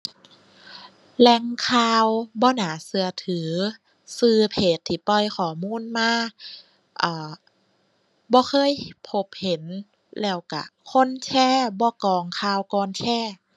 แหล่งข่าวบ่น่าเชื่อถือ เชื่อเพจที่ปล่อยข้อมูลมา อ่า บ่เคยพบเห็น แล้วเชื่อคนแชร์บ่กรองข่าวก่อนแชร์